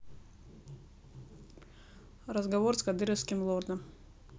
разговор с кадыровским лордом